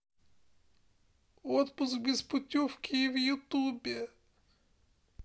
отпуск без путевки в ютубе